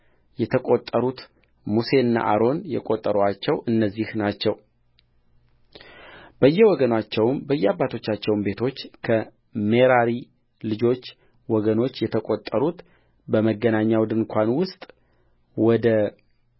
የተቈጠሩት ሙሴና አሮን የቈጠሩአቸው እነዚህ ናቸውበየወገናቸውም በየአባቶቻቸውም ቤቶች ከሜራሪ ልጆች ወገኖች የተቈጠሩትበመገናኛው ድንኳን ውስጥ ወደ